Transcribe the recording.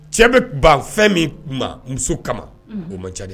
Cɛ bɛ ban fɛn min ma muso kama o man ca di